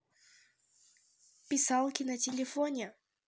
писалки на телефоне